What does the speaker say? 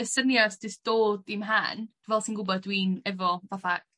y syniad jyst dod i'm mhen. Fel ti'n gwbod dwi'n efo fatha